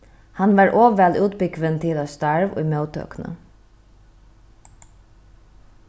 hann var ov væl útbúgvin til eitt starv í móttøkuni